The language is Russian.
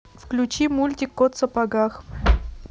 включи мультик кот в сапогах